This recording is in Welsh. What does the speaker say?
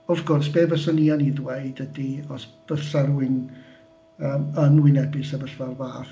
Wrth gwrs, be fyswn i'n yn ei ddweud ydy os bysa rywun yym yn wynebu sefyllfa o'r fath.